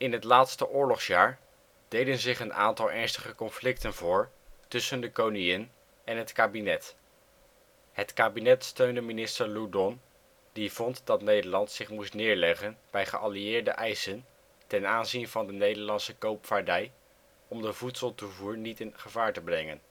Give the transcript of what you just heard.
het laatste oorlogsjaar deden zich een ernstige conflicten voor tussen de koningin en het kabinet. Het kabinet steunde minister Loudon die vond dat Nederland zich moest neerleggen bij geallieerde eisen ten aanzien van de Nederlandse koopvaardij om de voedseltoevoer niet in gevaar te brengen